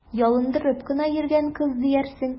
Ялындырып кына йөргән кыз диярсең!